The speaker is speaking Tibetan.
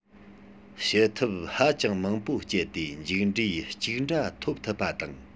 བྱེད ཐབས ཧ ཅང མང པོ སྤྱད དེ མཇུག འབྲས གཅིག འདྲ ཐོབ ཐུབ པ དང